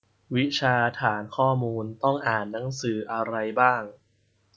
วิชาฐานข้อมูลต้องอ่านหนังสืออะไรบ้าง